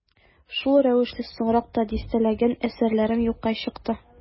Шул рәвешле соңрак та дистәләгән әсәрләрем юкка чыкты.